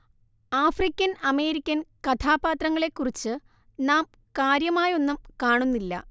African American കഥാപാത്രങ്ങളെക്കുറിച്ച് നാം കാര്യമായൊന്നും കാണുന്നില്ല